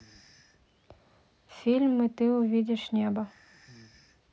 фильм и ты увидишь небо